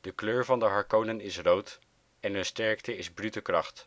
De kleur van de Harkonnen is rood en hun sterkte is brute kracht